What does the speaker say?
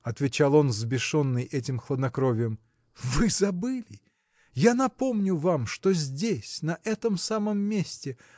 – отвечал он, взбешенный этим хладнокровием. – Вы забыли! я напомню вам что здесь на этом самом месте